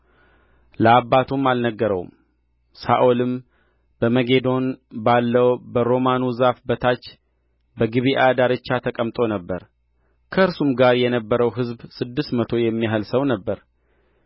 ለአባቱም አልነገረውም ሳኦልም በመጌዶን ባለው በሮማኑ ዛፍ በታች በጊብዓ ዳርቻ ተቀምጦ ነበረ ከእርሱም ጋር የነበረው ሕዝብ ስድስት መቶ የሚያህል ሰው ነበረ